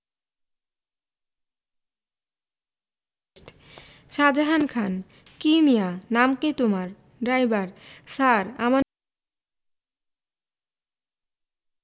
একটা মানুষ কতটা প্রতিকূল পরিস্থিতিতে পড়লে এমন সিদ্ধান্ত নেয় বুঝতেই পারছেন এই পরিস্থিতিতে আমি যদি ফুটবলে ফিরি আমাকে বিব্রত হতে হবে